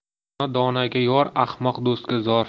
dono donoga yor ahmoq do'stga zor